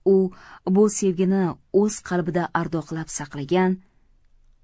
u bu sevgini o'z qalbida ardoqlab saqlagan